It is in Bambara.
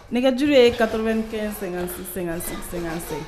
Nɛgɛj ye katome kɛ sɛgɛn-sɛ-sɛsɛ